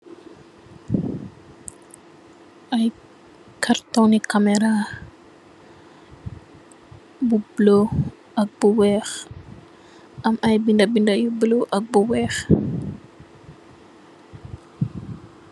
I karton ngi camera bu blue ak bu weih am i binda binda nyu blue ak bu weih.